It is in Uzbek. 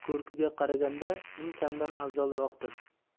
ko'rkiga qaraganda ming chandon afzalroqdir